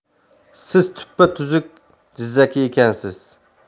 siz tuppa tuzuk jizzaki ekansiz